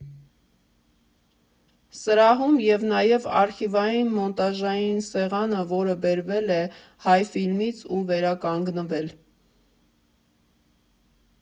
Սրահում է նաև արխիվային մոնտաժային սեղանը, որը բերվել է Հայֆիլմից ու վերականգնվել։